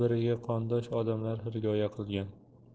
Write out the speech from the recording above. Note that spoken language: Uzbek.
biriga qondosh odamlar hirgoya qilgan